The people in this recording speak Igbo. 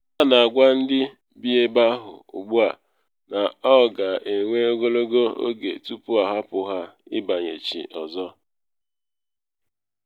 A na agwa ndị bi ebe ahụ ugbu a, na ọ ga-ewe ogologo oge tupu ahapụ ha ịbanyechi ọzọ.